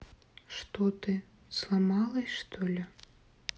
что ты сломалась что ли